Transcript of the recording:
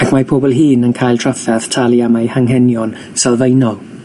ac mae pobl hŷn yn cael trafferth talu am eu hanghenion sylfaenol.